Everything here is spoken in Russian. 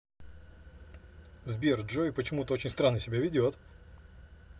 сбер джой почему то очень странно себя ведет